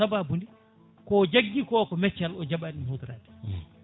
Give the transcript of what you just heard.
sababude ko jaggui ko ko meccal o jaɓani ɗum hutorade